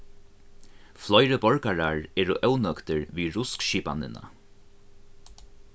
fleiri borgarar eru ónøgdir við ruskskipanina